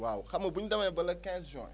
waaw xam nga bu ñu demee ba le quinze juin